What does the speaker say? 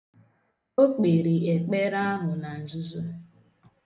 O kpere ekpere ahụ na nzuzo.